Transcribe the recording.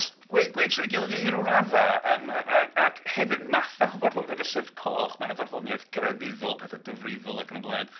Gwau trwy'i gilydd i ryw raddau yym a- ag hefyd mathau o farddoniaeth y Llyfr Coch, mae 'na farddoniaeth grefyddol pethau difrifol ac yn y blaen.